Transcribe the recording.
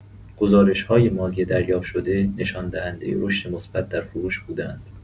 گزارش‌های مالی دریافت‌شده نشان‌دهنده رشد مثبت در فروش بوده‌اند.